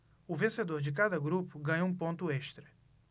o vencedor de cada grupo ganha um ponto extra